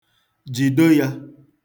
Jido ya.